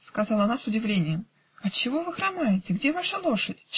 -- сказала она с удивлением, -- отчего вы хромаете? Где ваша лошадь?